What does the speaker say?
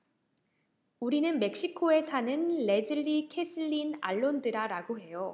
우리는 멕시코에 사는 레즐리 케슬린 알론드라라고 해요